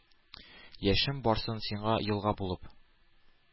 Яшем барсын сиңа елга булып,